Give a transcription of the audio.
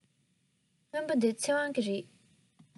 སྔོན པོ འདི ཚེ དབང གི རེད